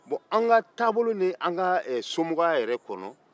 bɔn an ka taabolo ni an ka somɔgɔya yɛrɛ kɔnɔ